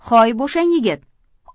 hoy bo'shang yigit